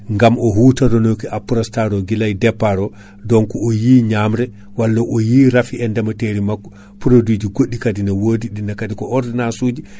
gam o hutoronoki Aprostar o guilay départ o donc o yi ñamre walla o yi rafi e ndeemateri makko produit ji goɗɗi kaadi ne wodi ɗinne kaadi ko ordonnance